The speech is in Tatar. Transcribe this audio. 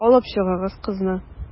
Алып чыгыгыз кызны.